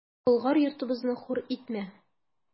Болгар йортыбызны хур итмә!